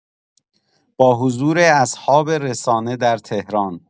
با حضور اصحاب رسانه در تهران